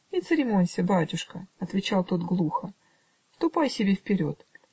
-- "Не церемонься, батюшка, -- отвечал тот глухо, -- ступай себе вперед